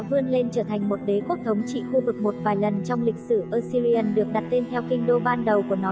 mà đã vươn lên trở thành một đế quốc thống trị khu vực một vài lần trong lịch sử assyrian được đặt tên theo kinh đô ban đầu của nó